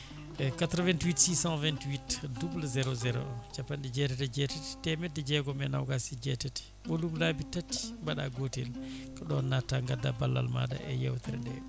88 628 00 01 capanɗe jeetati e jeetati temedde jeegom e nogas e jeetati mbaɗa ɓolum laabi tati mbaɗa gotel ko ɗon natta gadda ballal maɗa e yewtere nde